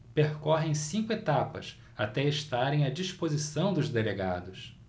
percorrem cinco etapas até estarem à disposição dos delegados